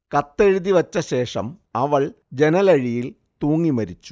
കത്തെഴുതി വച്ച ശേഷം അവൾ ജനലഴിയിൽ തൂങ്ങി മരിച്ചു